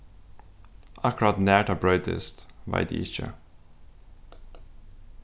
akkurát nær tað broytist veit eg ikki